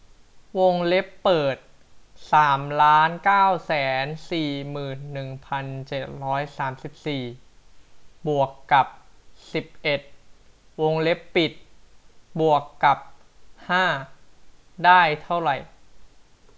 วงเล็บเปิดสามล้านเก้าแสนสี่หมื่นหนึ่งพันเจ็ดร้อยสามสิบสี่บวกกับสิบเอ็ดวงเล็บปิดบวกกับห้าได้เท่าไหร่